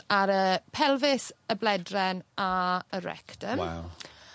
ar y pelfis y bledren a y rectum. Waw.